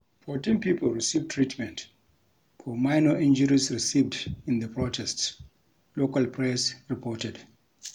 Fourteen people received treatment for minor injuries received in the protests, local press reported.